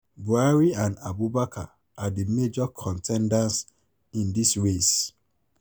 Buhari and Abubakar are the major contenders in this race.